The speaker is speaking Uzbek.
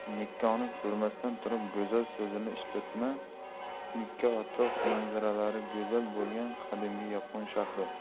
nikkoni ko'rmasdan turib go'zal so'zini ishlatma nikko atrof manzaralari go'zal bo'lgan qadimgi yapon shahri